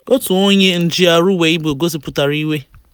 Otu onye njiarụ Weibo gosipụtara iwe: